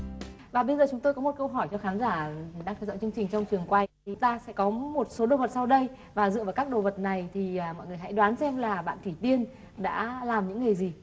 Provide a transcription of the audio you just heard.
và bây giờ chúng tôi có một câu hỏi cho khán giả đang theo dõi chương trình trong trường quay chúng ta sẽ có một số đồ vật sau đây và dựa vào các đồ vật này thì mọi người hãy đoán xem là bạn thủy tiên đã làm những nghề gì